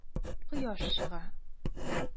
Кояш чыга.